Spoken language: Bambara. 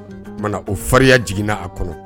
Munna o faya jiginna a kɔnɔ